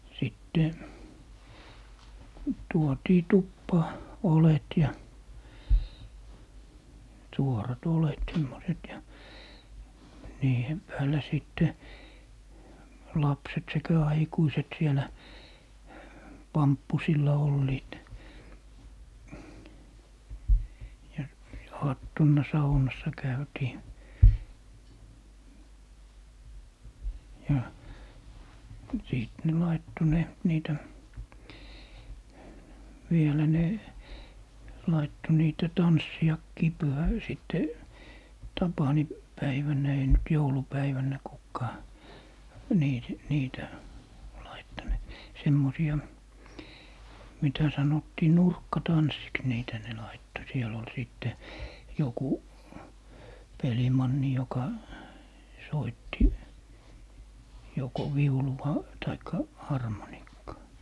ja sitten tuotiin tupaan oljet ja suorat oljet semmoiset ja niiden päällä sitten lapset sekä aikuiset siellä pamppusilla olivat ja aattona saunassa käytiin ja sitten ne laittoi ne niitä vielä ne laittoi niitä tanssejakin - sitten - tapaninpäivänä ei nyt joulupäivänä kukaan - niitä laittanut semmoisia mitä sanottiin nurkkatansseiksi niitä ne laittoi siellä oli sitten joku pelimanni joka soitti joko viulua tai harmonikkaa